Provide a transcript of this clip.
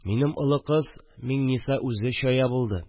Минем олы кыз Миңниса үзе чая булды